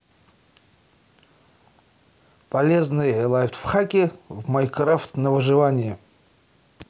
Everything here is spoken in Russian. полезные лайфхаки в майнкрафт на выживание